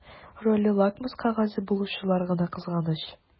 Роле лакмус кәгазе булучылар гына кызганыч.